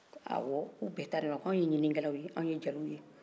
awɔ u bɛ ko anw ye ɲinininkɛlaw ye anw ye jeliw ye